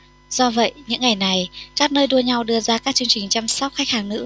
do vậy những ngày này các nơi đua nhau đưa ra các chương trình chăm sóc khách hàng nữ